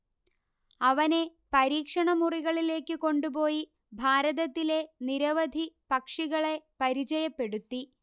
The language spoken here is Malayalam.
അവനെ പരീക്ഷണമുറികളിലേക്കു കൊണ്ടുപോയി ഭാരതത്തിലെ നിരവധി പക്ഷികളെ പരിചയപ്പെടുത്തി